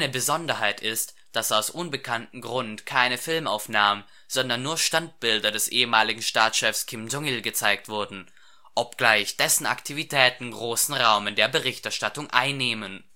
Besonderheit ist, dass aus unbekanntem Grund keine Filmaufnahmen, sondern nur Standbilder des ehemaligen Staatschefs Kim Jong-il gezeigt wurden, obgleich dessen Aktivitäten großen Raum in der Berichterstattung einnehmen